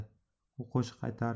u qo'shiq aytar